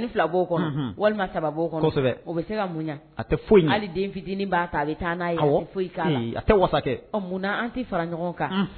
ni fila b'o kɔnɔ walimao kɔnɔ bɛ se ka mun tɛ foyi hali denfitinin'a ta a bɛ taa n'a mun an tɛ fara ɲɔgɔn kan